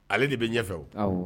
Ale de bɛ ɲɛfɛw